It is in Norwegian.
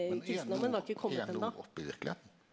men er nord er nord opp i verkelegheita?